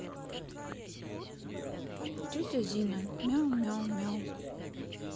тетя зина мяу мяу мяу